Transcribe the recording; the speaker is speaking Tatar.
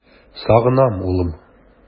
Сагынам, улым!